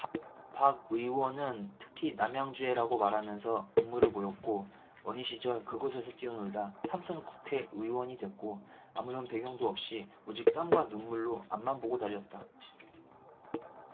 박 의원은 특히 남양주에 라고 말하면서 눈물을 보였고 어린 시절 그곳에서 뛰어놀다 삼 선 국회의원이 됐고 아무런 배경도 없이 오직 땀과 눈물로 앞만 보고 달렸다